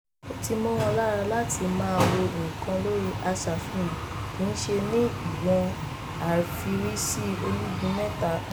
Ó ti mọ́ wọn lára láti máa wo nǹkan lórí aṣàfihàn, kìí ṣe ní ìwò-afìrísí-onígun-mẹ́ta-hàn.